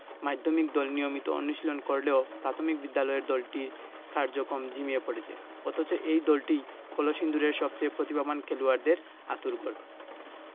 মাধ্যমিক দল নিয়মিত অনুশীলন করলেও প্রাথমিক বিদ্যালয়ের দলটির কার্যক্রম ঝিমিয়ে পড়েছে অথচ এই দলটিই কলসিন্দুরের সবচেয়ে প্রতিভাবান খেলোয়াড়দের আঁতুড়ঘর